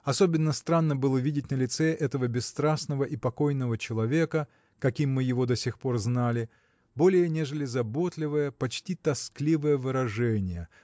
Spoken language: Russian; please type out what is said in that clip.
Особенно странно было видеть на лице этого бесстрастного и покойного человека – каким мы его до сих пор знали – более нежели заботливое почти тоскливое выражение